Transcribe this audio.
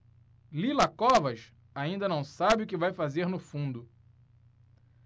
lila covas ainda não sabe o que vai fazer no fundo